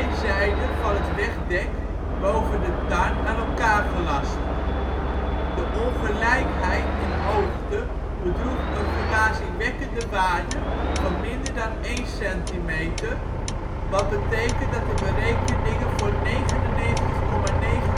zijden van het wegdek boven de Tarn aan elkaar gelast. De ongelijkheid in hoogte bedroeg een verbazingwekkende waarde van minder dan één centimeter, wat betekent dat de berekeningen voor 99,9999